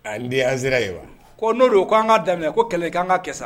An sera ye wa n'o don k ko'an ka daminɛ ko kɛlɛ k'an ka kɛ